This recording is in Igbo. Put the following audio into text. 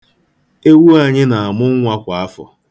Ewu anyị na-amụ nwa kwa afọ.